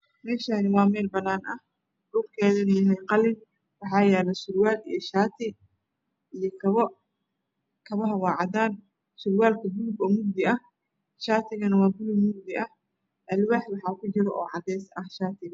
Meeshaan waa meel banaan ah dhulkeeduna uu yahay qalin waxaa yaalo surwaal iyo shaati iyo kabo. Kabaha waa cadaan, surwaal kana waa bulug oo mugdi ah, shaatigana waa bulug oo mugdi ah alwaax ayaa kujira shaatig.